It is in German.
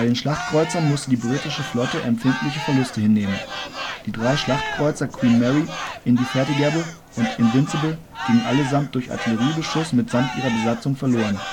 Schlachtkreuzern musste die britische Flotte empfindliche Verluste hinnehmen; die drei Schlachtkreuzer Queen Mary, Indefatigable und Invincible gingen allesamt durch Artilleriebeschuss mitsamt Ihrer Besatzung verloren